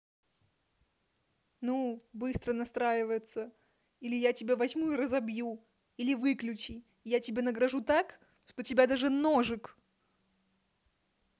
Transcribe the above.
ну быстро настраивается или я тебя возьму и разобью или выключи и я тебя награжу так что тебе даже ножик